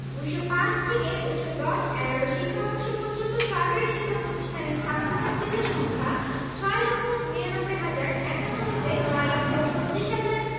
১৯০৫ থেকে ১৯১০ ১১ শিক্ষাবর্ষ পর্যন্ত সরকারি শিক্ষা প্রতিষ্ঠানের ছাত্র ছাত্রীদের সংখ্যা ৬ লক্ষ ৯৯ হাজার ৫১ হতে ৯ লক্ষ ৩৬ হাজার